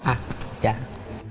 à dạ